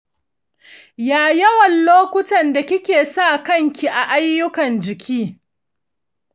ya yawan lokutan da kike sa kanki a ayyukan jiki?